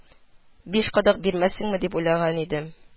– биш кадак бирмәссеңме дип уйлаган идем